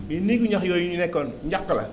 mais néegu ñax yooyu ñu nekkoon njaq la